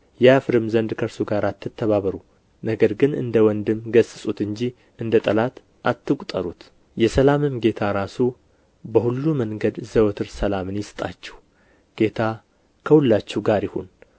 ያፍርም ዘንድ ከእርሱ ጋር አትተባበሩ ነገር ግን እንደ ወንድም ገሥጹት እንጂ እንደ ጠላት አትቍጠሩት የሰላምም ጌታ ራሱ በሁሉ መንገድ ዘወትር ሰላምን ይስጣችሁ ጌታ ከሁላችሁ ጋር ይሁን